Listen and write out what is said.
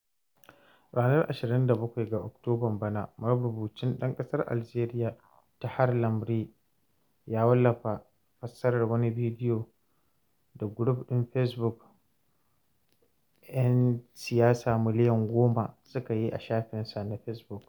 Ranar 27 ga Oktoban bana, marubucin ɗan ƙasar Aljeriya, Tahar Lamri [en] ya wallafa fassarar wani bidiyo [ar] da guruf ɗin Facebook 10 Millions de Politiciens [ar, fr] su ka yi a shafinsa na Facebook.